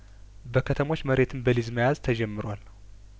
በከተሞች መሬትን በሊዝ መያዝ ተጀምሯል